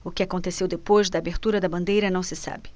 o que aconteceu depois da abertura da bandeira não se sabe